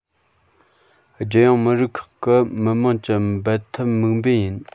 རྒྱལ ཡོངས མི རིགས ཁག གི མི དམངས ཀྱི འབད འཐབ དམིགས འབེན ཡིན